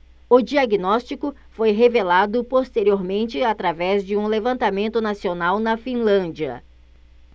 o diagnóstico foi revelado posteriormente através de um levantamento nacional na finlândia